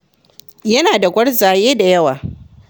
Yana da gwarzaye da yawa.